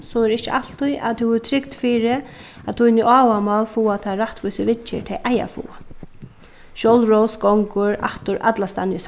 so er ikki altíð at tú hevur trygd fyri at tíni áhugamál fáa ta rættvísu viðgerð tey eiga at fáa sjálvrós gongur aftur allastaðni í